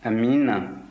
amiina